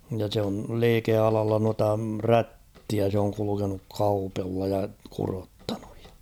ja se on liikealalla noita rättiä se on kulkenut kaupalla ja kudottanut ja